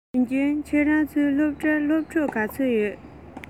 ཝུན ཅུན ཁྱོད རང ཚོའི སློབ གྲྭར སློབ ཕྲུག ག ཚོད ཡོད རེད